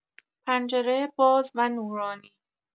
پنجره باز و نورانی